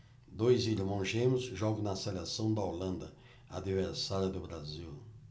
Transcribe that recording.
dois irmãos gêmeos jogam na seleção da holanda adversária do brasil